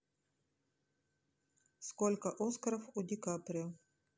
сколько оскаров у дикаприо